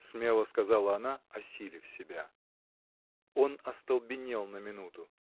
— смело сказала она, осилив себя. Он остолбенел на минуту.